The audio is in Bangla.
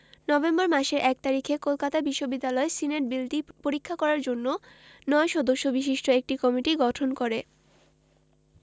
নভেম্বর মাসের ১ তারিখে কলকাতা বিশ্ববিদ্যালয় সিনেট বিলটি পরীক্ষা করার জন্য ৯ সদস্য বিশিষ্ট একটি কমিটি গঠন করে